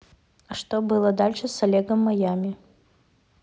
что было дальше с олегом майами